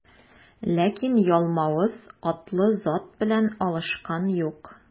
Ләкин Ялмавыз атлы зат белән алышкан юк.